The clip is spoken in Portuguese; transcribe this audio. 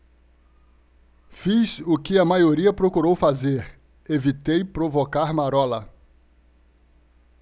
fiz o que a maioria procurou fazer evitei provocar marola